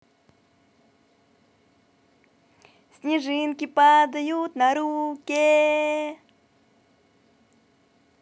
снежинки падают на руке